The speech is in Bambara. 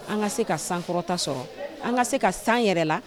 An ka se ka sankɔrɔta sɔrɔ an ka se ka san yɛrɛ la